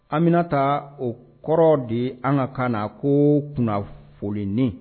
An bɛna taa o kɔrɔ de ye an ka kan na ko kunna kunnafoninen